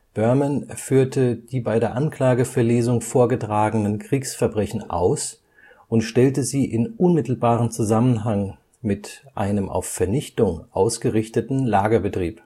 Berman führte die bei der Anklageverlesung vorgetragenen Kriegsverbrechen aus und stellte sie in unmittelbaren Zusammenhang mit einem auf Vernichtung ausgerichteten Lagerbetrieb